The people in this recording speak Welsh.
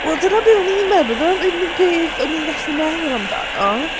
Wel dyna be o'n i'n meddwl dyna'r unig peth o'n i'n gallu meddwl amdano.